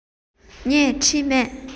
ངས བྲིས མེད